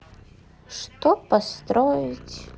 что построить